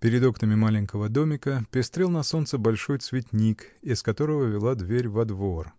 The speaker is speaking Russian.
Перед окнами маленького домика пестрел на солнце большой цветник, из которого вела дверь во двор,